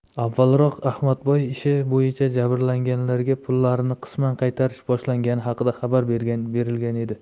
avvalroq ahmadboy ishi bo'yicha jabrlanganlarga pullarini qisman qaytarish boshlangani haqida xabar berilgan edi